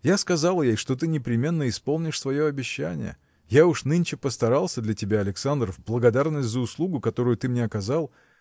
Я сказал ей, что ты непременно исполнишь свое обещание. Я уж нынче постарался для тебя Александр в благодарность за услугу которую ты мне оказал.